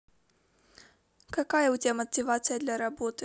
какая у тебя мотивация для работы